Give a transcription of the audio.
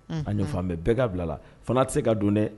A ɲɔ fan bɛɛ ka bila la fana tɛ se ka don dɛ